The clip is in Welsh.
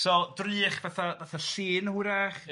So drych fatha fatha llun hwyrach... Ia